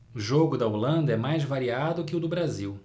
jogo da holanda é mais variado que o do brasil